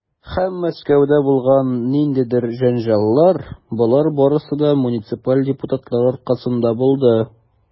Һәм Мәскәүдә булган ниндидер җәнҗаллар, - болар барысы да муниципаль депутатлар аркасында булды.